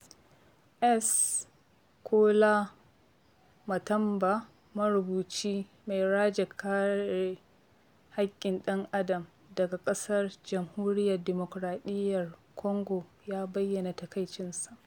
S, Nkola Matamba, marubuci mai rajin kare haƙƙin ɗan adam daga ƙasar Jamhuriyar Dimukraɗiyyar Kwango ya bayyana takaicinsa: